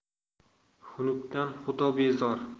xunukdan xudo bezor